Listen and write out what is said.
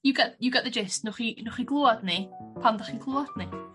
you get you get the jist newch chi newch chi glwad ni pan dach chi'n clwad ni!